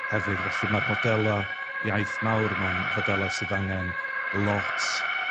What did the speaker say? hefyd, felly ma'r modela' iaith mawr 'ma'n fodela' sydd angen lot